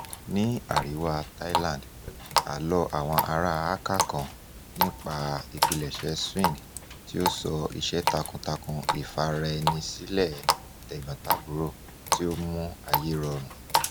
Ní àríwá Thailand, àlọ́ àwọn aráa Akha kan nípa ìpilẹ̀ṣẹ̀ swing tí ó sọ iṣẹ́ takuntakun ìfaraẹnisílẹ̀ t'ẹ̀gbọ́ntàbúrò tí ó mú ayé rọrùn.